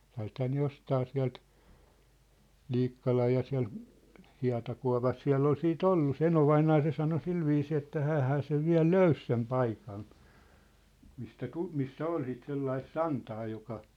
sieltähän ne jostakin sieltä Liikkalan ja siellä hietakuopassa siellä oli sitten ollut se enovainaja se sanoi sillä viisiin että hänhän sen vielä löysi sen paikan mistä - missä oli sitten sellaista santaa joka